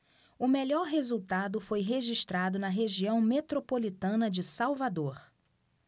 o melhor resultado foi registrado na região metropolitana de salvador